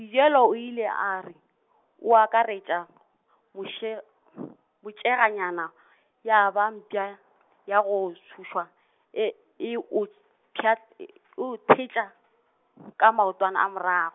-ijelo o ile a re, o akaretša , moše- , motšeganyana- , ya ba mpša , ya go tšhošwa, e, e o pša- , e o theetša , ka maotwana a morago.